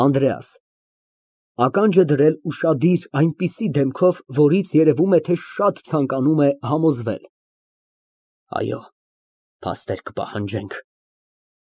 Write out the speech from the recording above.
ԱՆԴՐԵԱՍ ֊ Այո, փաստեր կպահանջենք։